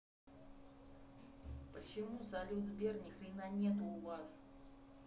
почему салют сбер ни хрена нету у вас